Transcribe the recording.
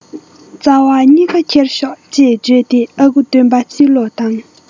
ཙ བ གཉིས ཀ ཁྱེར ཤོག ཅེས བརྗོད དེ ཨ ཁུ སྟོན པ ཕྱིར ལོག བཏང